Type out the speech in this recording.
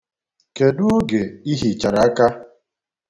Kedu oge I hichara aka?